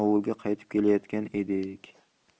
ovulga qaytib kelayotgan edik